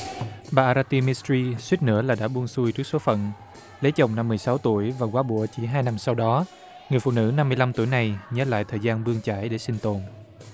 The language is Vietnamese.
bà ra ti mít truy suýt nữa là đã buông xuôi trước số phận lấy chồng năm mươi sáu tuổi và góa bụa chỉ hai năm sau đó người phụ nữ năm mươi lăm tuổi này nhớ lại thời gian bươn chải để sinh tồn